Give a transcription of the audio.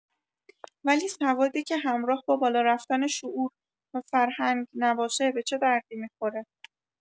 ولی سوادی که همراه با بالا رفتن شعور وفرهنگ نباشه به چه دردی می‌خوره؟